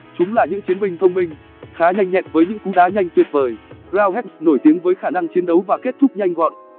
chúng là những chiến binh thông minh khá nhanh nhẹn với những cú đá nhanh tuyệt vời roundheads nổi tiếng với khả năng chiến đấu và kết thúc nhanh gọn